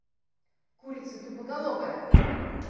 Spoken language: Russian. курица тупоголовая